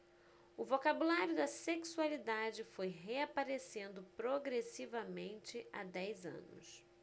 o vocabulário da sexualidade foi reaparecendo progressivamente há dez anos